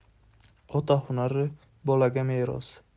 ota hunari bolaga meros